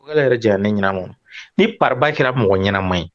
Vocal yɛrɛ janyara ne ɲina ma o ni pari ba kɛra mɔgɔ ɲɛnama ye